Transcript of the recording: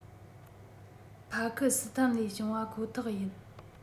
ཕ ཁི སི ཐན ལས བྱུང བ ཁོ ཐག ཡིན